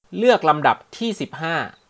เลือกลำดับที่สิบห้า